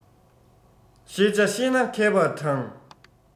ཤེས བྱ ཤེས ན མཁས པར བགྲང